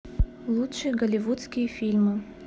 лучшие голливудские фильмы